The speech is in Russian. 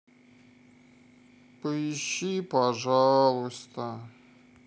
поищи пожалуйста